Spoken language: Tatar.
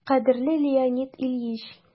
«кадерле леонид ильич!»